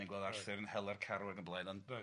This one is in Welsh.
dani'n gweld Arthur yn hela'r carw a'n y blaen ond... Reit...